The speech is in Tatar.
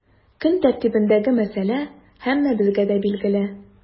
Көн тәртибендәге мәсьәлә һәммәбезгә дә билгеле.